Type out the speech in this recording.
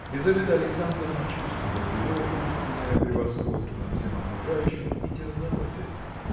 Лизавета Александровна чувствовала его умственное превосходство над всем окружающим и терзалась этим.